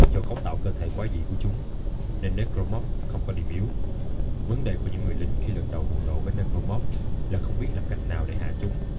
do cấu tạo cơ thể quái dị của chúng nên necromorphs không có điểm yếu vấn đề của những người lính khi lần đầu đụng độ với necromorphs là không biết làm cách nào để hạ chúng